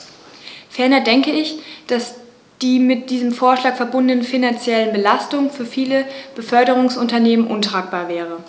Ferner denke ich, dass die mit diesem Vorschlag verbundene finanzielle Belastung für viele Beförderungsunternehmen untragbar wäre.